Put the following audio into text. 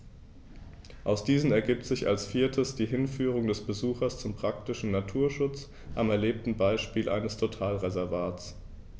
Aus diesen ergibt sich als viertes die Hinführung des Besuchers zum praktischen Naturschutz am erlebten Beispiel eines Totalreservats.